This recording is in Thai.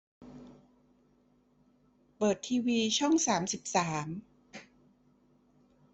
เปิดทีวีช่องสามสิบสาม